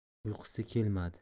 uyqusi kelmadi